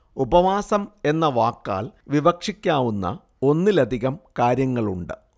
ഉപവാസം എന്ന വാക്കാൽ വിവക്ഷിക്കാവുന്ന ഒന്നിലധികം കാര്യങ്ങളുണ്ട്